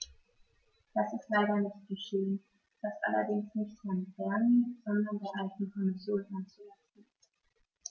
Das ist leider nicht geschehen, was allerdings nicht Herrn Bernie, sondern der alten Kommission anzulasten ist.